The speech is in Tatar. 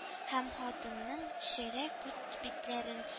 Һәм хатынның шәрә күт битләрен